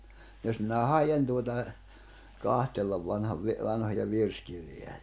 jos minä haen tuota katsella vanhan - vanhoja virsikirjoja niin